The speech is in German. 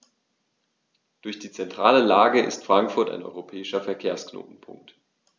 Durch die zentrale Lage ist Frankfurt ein europäischer Verkehrsknotenpunkt.